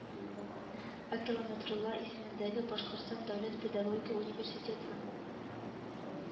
Акилометрулла исемендәге Башкортстан дәүләт педагогика университеты